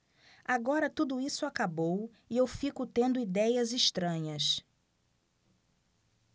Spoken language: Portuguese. agora tudo isso acabou e eu fico tendo idéias estranhas